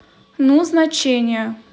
ну значение